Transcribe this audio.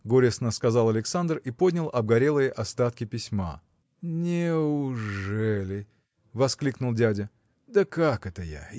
– горестно сказал Александр и поднял обгорелые остатки письма. – Не-уже-ли? – воскликнул дядя, – да как это я?